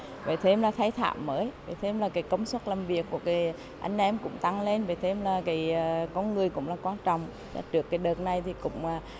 vậy thêm là thay thảm mới vậy thêm là cái công suất làm việc của cái anh em cũng tăng lên vậy thêm là cái con người cũng là quan trọng trước cái đợt này thì cũng